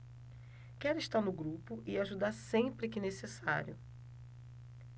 quero estar no grupo e ajudar sempre que necessário